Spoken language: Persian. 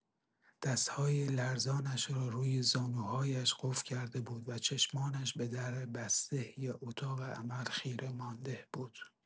دست‌های لرزانش را روی زانوهایش قفل کرده بود و چشمانش به در بستۀ اتاق عمل خیره مانده بود.